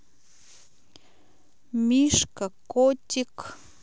мишка котик